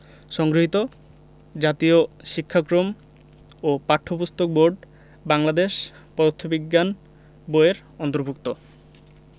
সংগৃহীত জাতীয় শিক্ষাক্রম ও পাঠ্যপুস্তক বোর্ড বাংলাদেশ পদার্থ বিজ্ঞান বই এর অন্তর্ভুক্ত